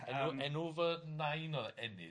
Enw- enw fy nain o'dd Enid.